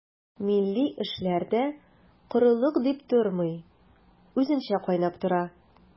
Милли эшләр дә корылык дип тормый, үзенчә кайнап тора.